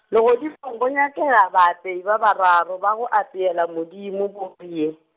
legodimong go nyakega baapei ba bararo ba go apeela Modimo bore ye.